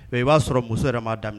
Mɛ i b'a sɔrɔ muso yɛrɛ b'a daminɛ